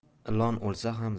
ilon o'lsa ham